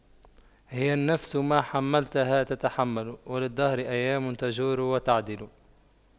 هي النفس ما حَمَّلْتَها تتحمل وللدهر أيام تجور وتَعْدِلُ